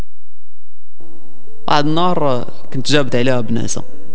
النار